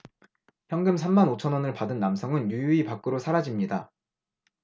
현금 삼 만 오 천 원을 받은 남성은 유유히 밖으로 사라집니다